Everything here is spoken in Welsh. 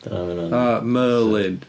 Oo Merlin.